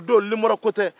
o don nimɔrɔko tɛ